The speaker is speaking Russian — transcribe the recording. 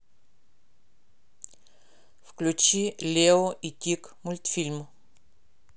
включи лео и тиг мультфильм